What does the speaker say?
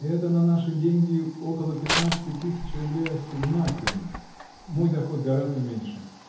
-- Это на наши деньги -- около пятнадцати тысяч рублей ассигнациями. Мой доход гораздо меньше.